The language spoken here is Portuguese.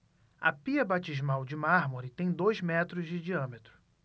a pia batismal de mármore tem dois metros de diâmetro